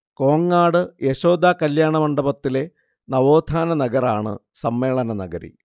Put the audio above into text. കോങ്ങാട് യശോദ കല്യാണമണ്ഡപത്തിലെ നവോത്ഥാന നഗറാണ് സമ്മേളനനഗരി